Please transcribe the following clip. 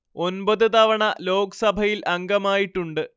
ഒൻപത് തവണ ലോക് സഭയിൽ അംഗമായിട്ടുണ്ട്